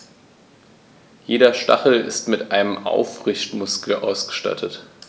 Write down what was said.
Jeder Stachel ist mit einem Aufrichtemuskel ausgestattet.